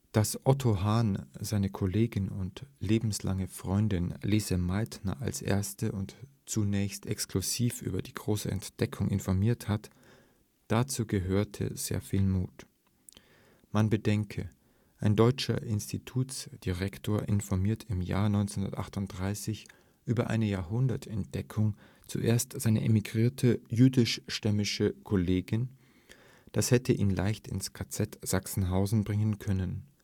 Dass Otto Hahn seine Kollegin und lebenslange Freundin Lise Meitner als erste und zunächst exklusiv über die große Entdeckung informiert hat, dazu gehörte sehr viel Mut. Man bedenke: Ein deutscher Institutsdirektor informiert im Jahr 1938 über eine Jahrhundert-Entdeckung zuerst seine emigrierte jüdischstämmige Kollegin! Das hätte ihn leicht ins KZ Sachsenhausen bringen können